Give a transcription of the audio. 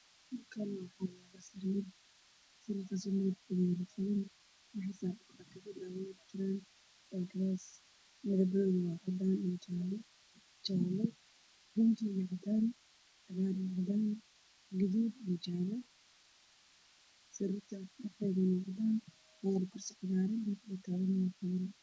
Meshan waxaa iiga muuqda sariir cadaan ah waxaa kor saaran daawooyin waxaa ag yaala kursi midabkiisa yahay cagaar